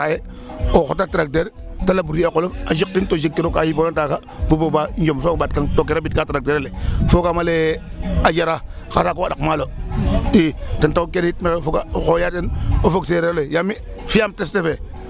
O xotma tracteur ta labourer o qolof a jiqtin to jegkiro ka yipoona taaga bu boba njom soom a ɓaatkang to ke rabidka a tracteur ale foogaam ale a jara xa saqu xa ɗak maalo i ten taxu kene yit maxey fogaa xoyaa den o fog seereer ole yaam mi' fi'aam teste fe.